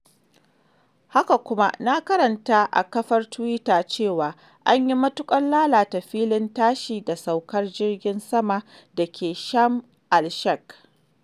Haka kuma na karanta a kafar tiwita cewa, an yi mutuƙar lalata filin tashi da saukar jirgin sama dake Sharm El-Shiekh!